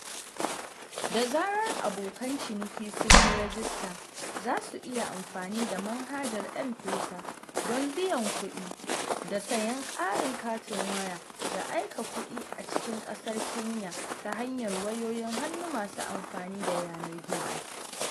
Da zarar abokan ciniki sun yi rajista, za su iya amfani da manhajar M-Pesa don biyan kuɗi, da sayen ƙarin katin waya, da aika kuɗi a cikin ƙasar Kenya ta hanyar wayoyin hannu masu amfani da yanar gizo